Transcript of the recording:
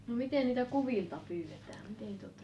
no miten niitä kuvilta pyydetään miten te olette